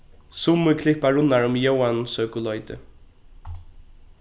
summi klippa runnar um jóansøkuleitið